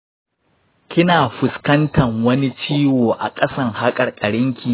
kina fuskantan wani ciwo a ƙasan haƙarƙarinki?